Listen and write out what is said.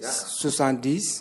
Sonsandi